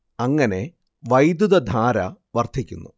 അങ്ങനെ വൈദ്യുതധാര വർദ്ധിക്കുന്നു